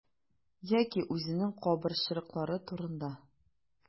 Яки үзенең кабырчрыклары турында.